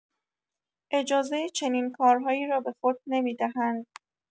اجازه چنین کارهایی را به خود نمی‌دهند.